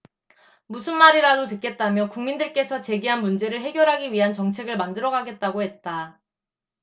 무슨 말이라도 듣겠다며 국민들께서 제기한 문제를 해결하기 위한 정책을 만들어 가겠다고 했다